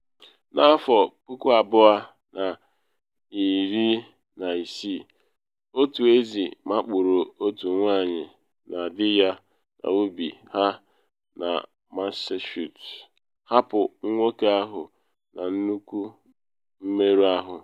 Na 2016, otu ezi makpuru otu nwanyị na dị ya n’ubi ha na Massachusetts, hapụ nwoke ahụ na nnukwu mmerụ ahụ.